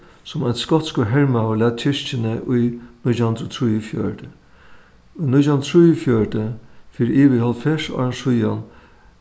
sum ein skotskur hermaður lat kirkjuni í nítjan hundrað og trýogfjøruti í nítjan hundrað og trýogfjøruti fyri yvir hálvfjerðs árum síðan